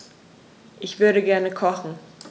Ich würde gerne kochen.